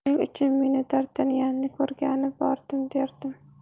shuning uchun meni dartanyanni ko'rgani bordim derdim